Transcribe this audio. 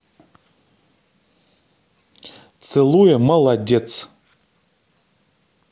целуя молодец